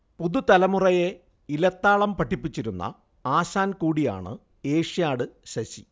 പുതുതലമുറയെ ഇലത്താളം പഠിപ്പിച്ചിരുന്ന ആശാൻ കൂടിയാണ് ഏഷ്യാഡ് ശശി